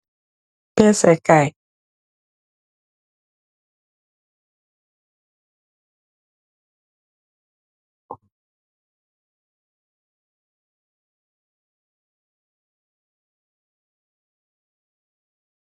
Pesse kaye .